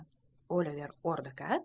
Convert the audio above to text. oliver ordok a